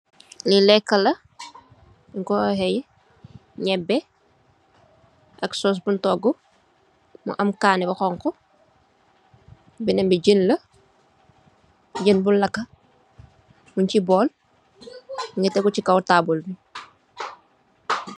Le lekala nu ko oiyeh nyebeh ak sour bun tugu mu am kani bu honha. Benen bi jen la bun laka musi bol mu tegesikaw table bi.